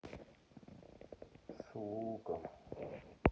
с луком